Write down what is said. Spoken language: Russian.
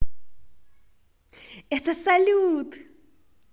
это салют